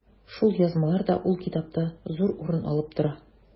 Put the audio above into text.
Шул язмалар да ул китапта зур урын алып тора.